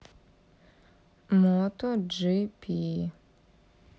мото джи пи